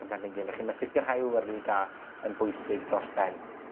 y planhigyn, felly ma' sicirhau awyru da yn bwysig dros ben.